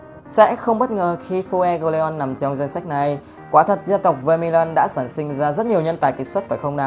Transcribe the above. sẽ không bất ngờ khi fuegoleon nằm trong danh sách này quả thật gia tộc vermillion đã sản sinh ra nhất nhiều nhân tài kiệt xuất phải không nào